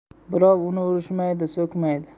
birov uni urishmaydi so'kmaydi